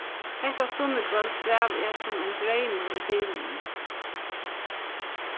hetta sunnukvøld svav eg sum ein dreymur í bilinum